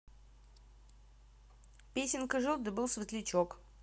песенка жил да был светлячок